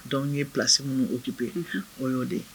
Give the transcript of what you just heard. Donc n'ye place minnu occuper , unhun, o y'o ye